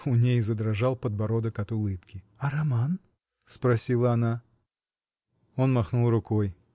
У ней задрожал подбородок от улыбки. — А роман? — спросила она. Он махнул рукой.